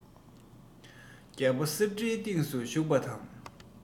རྒྱལ པོ གསེར ཁྲིའི སྟེང དུ བཞུགས པ དང